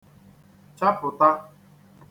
chapụ̀ta